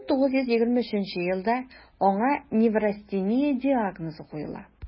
1923 елда аңа неврастения диагнозы куела: